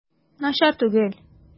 Начар түгел.